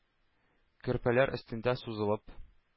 Көрпәләр өстендә сузылып,